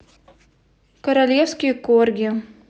королевский корги